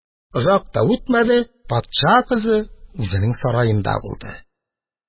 Озак та үтмәде, патша кызы үзенең сараенда булды.